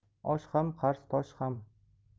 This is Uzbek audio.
osh ham qarz tosh ham